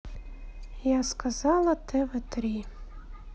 я сказала тв три